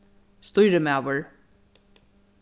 stýrimaður